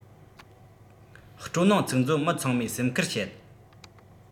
སྤྲོ སྣང ཚིག མཛོད མི ཚང མས སེམས ཁུར བྱེད